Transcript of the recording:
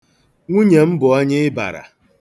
Nwunye m bụ onye ịbara.